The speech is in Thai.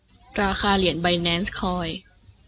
ราคาเหรียญไบแนนซ์คอย